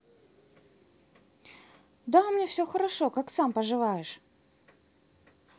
да у меня все хорошо как сам поживаешь